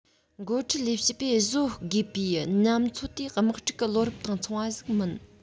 འགོ ཁྲིད ལས བྱེད པས བཟོད དགོས པའི ཉམས ཚོད དེ དམག འཁྲུག གི ལོ རབས དང མཚུངས པ ཞིག མིན